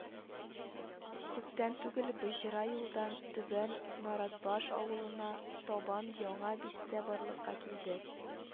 Күптән түгел Боҗра юлдан Түбән Наратбаш авылына табан яңа бистә барлыкка килде